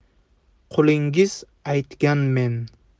qulingiz aytganmen